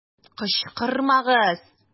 Кычкырмагыз!